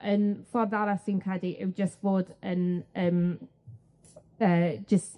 Yym ffordd arall, fi'n credu, yw jyst bod yn yym yy jyst